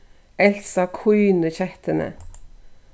elsa kínir kettuni